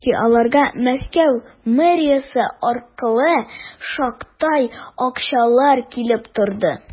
Чөнки аларга Мәскәү мэриясе аркылы шактый акчалар килеп торды.